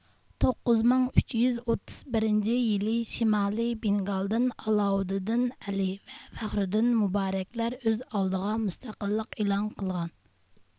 توققۇز مىڭ ئۈچ يۈز ئوتتۇز بىرىنچى يىلى شىمالىي بېنگالدىن ئالاۋۇددىن ئەلى ۋە فەخرۇددىن مۇبارەكلەر ئۆز ئالدىغا مۇستەقىللىق ئېلان قىلغان